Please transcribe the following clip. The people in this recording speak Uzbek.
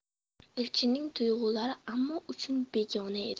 elchinning tuyg'ulari amma uchun begona edi